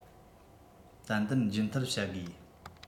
ཏན ཏན རྒྱུན མཐུད བྱ དགོས